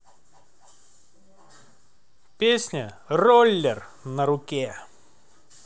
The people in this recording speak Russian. песня roller на руке